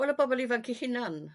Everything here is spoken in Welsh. Wel y bobl i ifanc 'u hunan